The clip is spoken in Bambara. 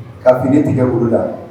Ka fili tigɛ woro la